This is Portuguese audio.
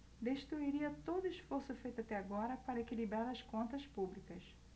destruiria todo esforço feito até agora para equilibrar as contas públicas